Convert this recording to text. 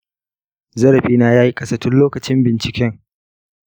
zarafina yayi ƙasa tun lokacin binciken.